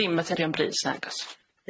Dim materion brys nagos.